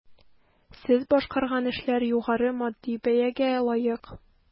Сез башкарган эшләр югары матди бәягә лаек.